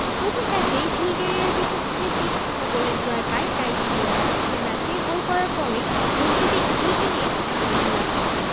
প্রথম ম্যাচেই বুলগেরিয়ার বিপক্ষে ৩ ০ গোলের জয় পায় নাইজেরিয়া সে ম্যাচে গোল করার পরই রশিদী ইয়েকিনির এমন উল্লাস